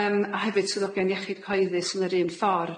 Yym a hefyd swyddogion iechyd cyhoeddus yn yr un ffor'.